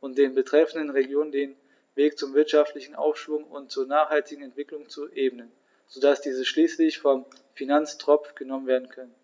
und den betreffenden Regionen den Weg zum wirtschaftlichen Aufschwung und zur nachhaltigen Entwicklung zu ebnen, so dass diese schließlich vom Finanztropf genommen werden können.